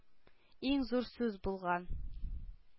Иң зур сүз булган.